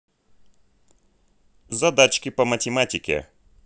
задачки по математике